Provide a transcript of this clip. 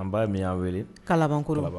An b'a min y' wele k'kɔrɔ